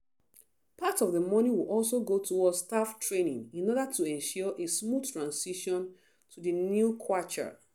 Part of the money will also go towards staff training in order to ensure a smooth transition to the new kwacha.